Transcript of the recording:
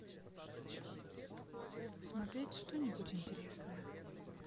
смотреть что нибудь интересное